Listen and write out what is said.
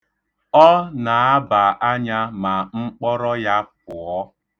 Ọ na-aba anya ma m kpọrọ ya pụọ.